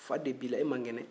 fa de bɛ i la e man kɛnɛ